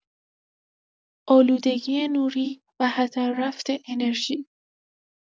آلودگی نوری و هدررفت انرژی